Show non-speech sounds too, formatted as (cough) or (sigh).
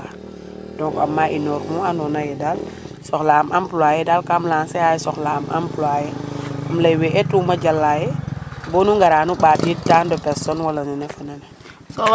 (noise) donc a mba mu ando naye dal soxla am employer dal kam lancer aye soxla am employer (noise) um ley we een tuma jala ye bonu ŋara nu mbatid tant de personne wala nene fo nene (crosstalk)